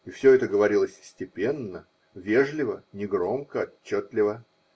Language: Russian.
И все это говорилось степенно, вежливо, негромко, отчетливо